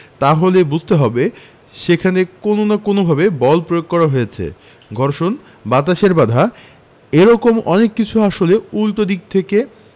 তাহলে বুঝতে হবে সেখানে কোনো না কোনোভাবে বল প্রয়োগ করা হয়েছে ঘর্ষণ বাতাসের বাধা এ রকম অনেক কিছু আসলে উল্টো দিক থেকে